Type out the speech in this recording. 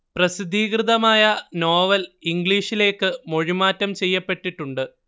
പ്രസിദ്ധീകൃതമായ novel ഇംഗ്ലീഷിലേയ്ക്ക് മൊഴിമാറ്റം ചെയ്യപ്പെട്ടിട്ടുണ്ട്